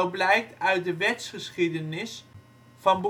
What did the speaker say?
blijkt uit de wetsgeschiedenis van